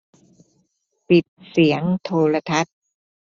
ปิดเสียงโทรทัศน์